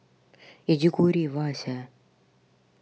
иди кури вася